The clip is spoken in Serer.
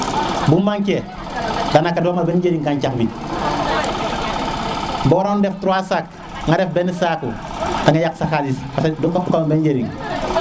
bu manquer dana ka do xam ben njëriñ gancax bi bo daan def 3 sacs nga def ben saaku dengay yak sa xalis parce que dotul am ben njëriñ